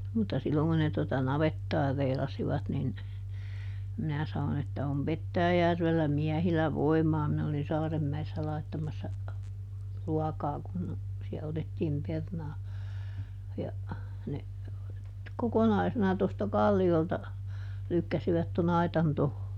mutta silloin kun ne tuota navettaa reilasivat niin minä sanoin että on Petäjäjärvellä miehillä voimaa minä olin Saarenmäessä laittamassa ruokaa kun siellä otettiin perunaa ja ne kokonaisena tuosta kalliolta lykkäsivät tuon aitan tuohon